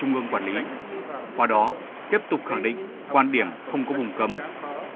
trung ương quản lý qua đó tiếp tục khẳng định quan điểm không có vùng cấm